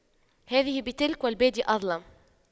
هذه بتلك والبادئ أظلم